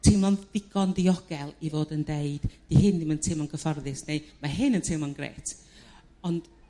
teimlo'n ddigon diogel i fod yn deud 'di hyn ddim yn teimlo'n cyfforddus neu ma' hyn yn teimlon grêt ond